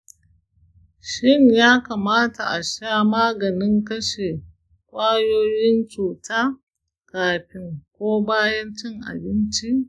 shin ya kamata a sha maganin kashe ƙwayoyin cuta kafin ko bayan cin abinci?